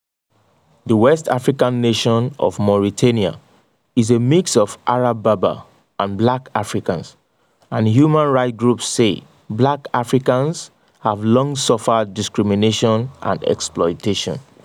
The West African nation of Mauritania is a mix of Arab-Berber and black Africans and human rights groups say black Africans have long suffered discrimination and exploitation.